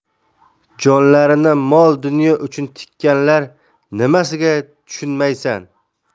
jonlarini mol dunyo uchun tikkanlar nimasiga tushunmaysan